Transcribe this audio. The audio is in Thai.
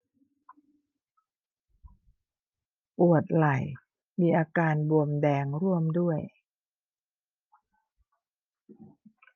ปวดไหล่มีอาการบวมแดงร่วมด้วย